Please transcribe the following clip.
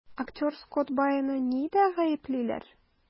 Актер Скотт Байоны нидә гаеплиләр?